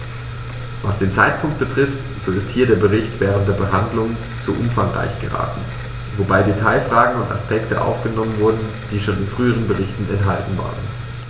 Was den Zeitpunkt betrifft, so ist hier der Bericht während der Behandlung zu umfangreich geraten, wobei Detailfragen und Aspekte aufgenommen wurden, die schon in früheren Berichten enthalten waren.